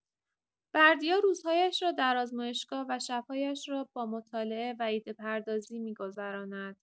بردیا روزهایش را در آزمایشگاه و شب‌هایش را با مطالعه و ایده‌پردازی می‌گذراند.